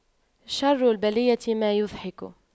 شر البلية ما يضحك